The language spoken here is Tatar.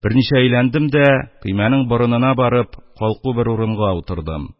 Берничә әйләндем дә, көймәнең борынына барып, калку бер урынга утырдым;